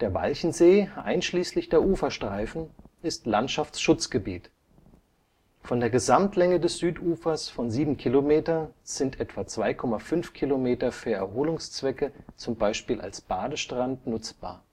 Walchensee einschließlich der Uferstreifen ist Landschaftsschutzgebiet. Von der Gesamtlänge des Südufers von 7 km sind ca. 2,5 km für Erholungszwecke, z. B. als Badestrand, nutzbar